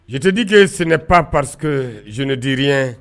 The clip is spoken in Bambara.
je te dis que ce n'est pas parce que je ne dis rien